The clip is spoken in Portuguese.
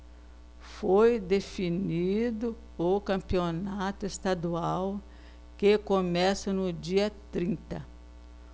foi definido o campeonato estadual que começa no dia trinta